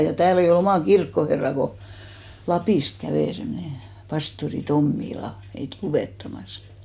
ja täällä ei ollut omaa kirkkoherraa kun Lapista kävi semmoinen pastori Tommila meitä luettamassa